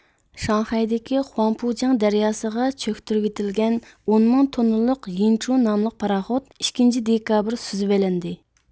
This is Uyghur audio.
شاڭخەيدىكى خۇاڭپۇجياڭ دەرياسىغا چۆكتۈرۋېتىلگەن ئونمىڭ توننىلىق يىنچۇ ناملىق پاراخوت ئىككىنچى دېكابىر سۈزىۋېلىندى